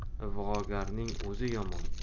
ig'vogarning o'zi yomon